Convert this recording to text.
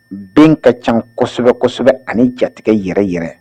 Bɛn ka ca kosɛbɛ kosɛbɛ ani jatigitigɛ yɛrɛ yɛrɛ